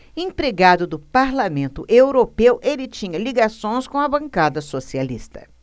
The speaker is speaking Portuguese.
empregado do parlamento europeu ele tinha ligações com a bancada socialista